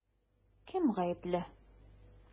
Кем гаепле?